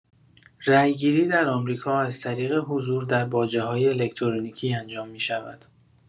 رای گیری در آمریکا از طریق حضور در باجه‌های الکترونیکی انجام می‌شود.